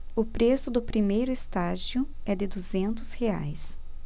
o preço do primeiro estágio é de duzentos reais